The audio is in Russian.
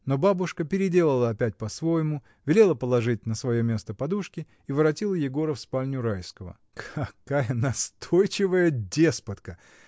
Но бабушка переделала опять по-своему: велела положить на свое место подушки и воротила Егора в спальню Райского. — Какая настойчивая деспотка!